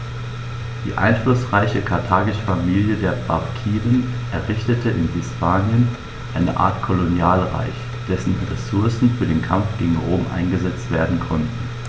Die einflussreiche karthagische Familie der Barkiden errichtete in Hispanien eine Art Kolonialreich, dessen Ressourcen für den Kampf gegen Rom eingesetzt werden konnten.